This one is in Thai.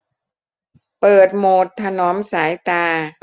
เปิดโหมดถนอมสายตา